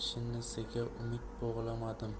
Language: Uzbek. shinnisiga umid bog'lamadim